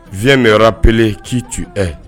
Viens me rappeler qui tu es